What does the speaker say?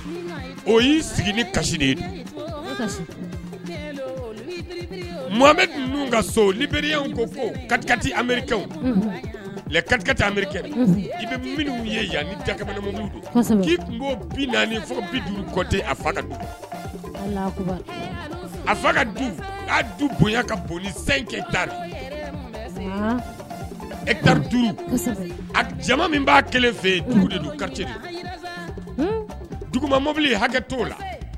O y'i sigiriri i minnu ye yan ja k' tun naani fɔte a a fa ka bonya ka boli ta e a jama min b'a kelen fɛ dugu duguba mɔbili hakɛ t la